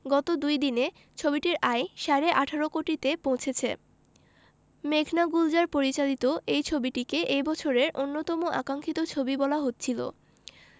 গত দুই দিনে ছবিটির আয় সাড়ে ১৮ কোটিতে পৌঁছেছে মেঘনা গুলজার পরিচালিত এই ছবিটিকে এই বছরের অন্যতম আকাঙ্খিত ছবি বলা হচ্ছিল